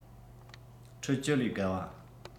ཁྲི ༩༠ ལས བརྒལ བ